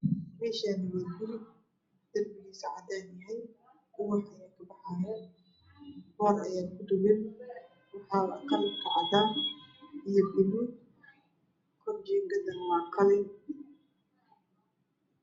Meshani waa guri darbigiisa cadan yahay ubax ayaa ka baxaaya boor ayaa ku dhexan kalarka cadan iyo baluug kor jingadana waa qalin